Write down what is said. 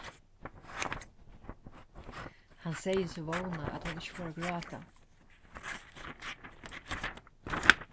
hann segði seg vóna at hon ikki fór at gráta